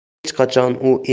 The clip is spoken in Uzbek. hech qachon u